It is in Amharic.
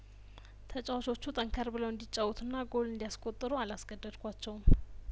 ተጫዋቾቹ ጠንከር ብለው እንዲ ጫወቱና ጐል እንዲያስ ቆጥሩ አላስገደድኳቸውም